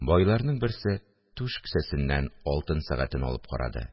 Байларның берсе түш кесәсеннән алтын сәгатен алып карады